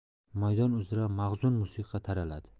maydon uzra mahzun musiqa taraladi